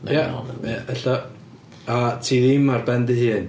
Ia, ia, ella. A ti ddim ar ben dy hun.